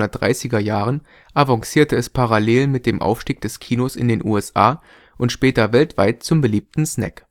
1930er Jahren avancierte es parallel mit dem Aufstieg des Kinos in den USA und später weltweit zum beliebten Snack